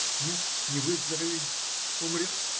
"Нет, не выздоровеет, умрет".